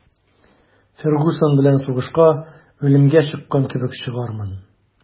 «фергюсон белән сугышка үлемгә чыккан кебек чыгармын»